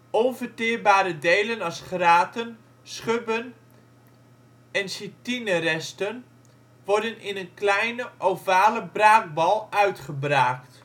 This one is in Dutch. Onverteerbare delen als graten, schubben en chitineresten worden in een kleine, ovale braakbal uitgebraakt